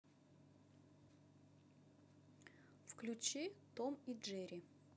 включи том и джерри